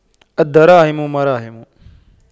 الدراهم مراهم